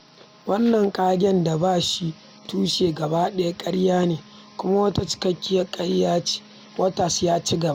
Wannan ƙagen da ba shi tushe gaba ɗaya ƙarya ne kuma wata cikekkiyar ƙarya ce, Waters ya ci gaba.